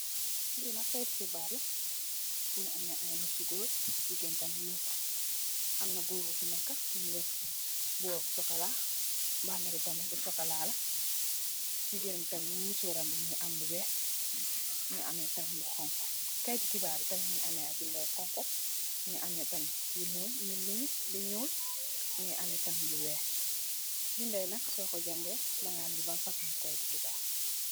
Li nak Kayit xibarr la mugii am ay nit gór jigeen tam muñ fa. Am na gór gu fi nekka mugii dèf mbuba bu sokola mbàxna bi tamit bu sokola la, jigeen bi tamit musór ram bi mugii am lu wèèx, mugii ameh tamit lu xonxu. Kayiti xibarr tamit mugii ameh ay bindé yu xonxu, mugii ameh tamit yu ñuul, mugii ameh tamit lu wèèx. Bindé yi nak so ko jangèè di ga xam li ban fasungi kayiti xibarr la.